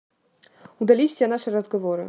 удали все наши разговоры